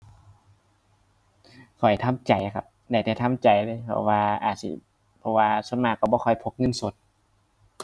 ข้อยทำใจครับ ได้แต่ทำใจเลย เพราะว่าอาจสิ เพราะว่าส่วนมากก็บ่ค่อยพกเงินสด